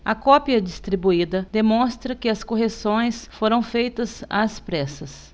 a cópia distribuída demonstra que as correções foram feitas às pressas